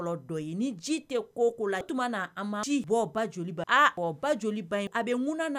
La a ma bɛ